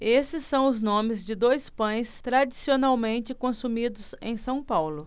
esses são os nomes de dois pães tradicionalmente consumidos em são paulo